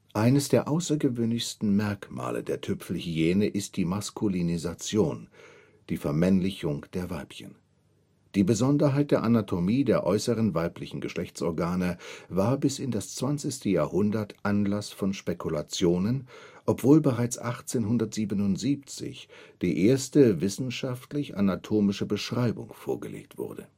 Eines der außergewöhnlichsten Merkmale der Tüpfelhyäne ist die Maskulinisation („ Vermännlichung “) der Weibchen. Die Besonderheit der Anatomie der äußeren weiblichen Geschlechtsorgane war bis in das 20. Jahrhundert Anlass von Spekulationen, obwohl bereits 1877 die erste wissenschaftlich-anatomische Beschreibung vorgelegt wurde